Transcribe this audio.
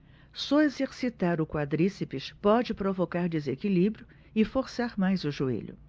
só exercitar o quadríceps pode provocar desequilíbrio e forçar mais o joelho